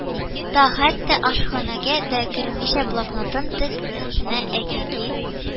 Та, хәтта ашханәгә дә кермичә, блокнотын тез өстенә яки ки